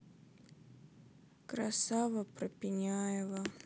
красава про пеняева